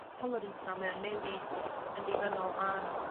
Tolerance 'na mae o'n newid yn ddibynnol ar